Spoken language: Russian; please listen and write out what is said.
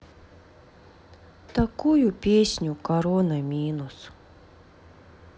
такую песню корона минус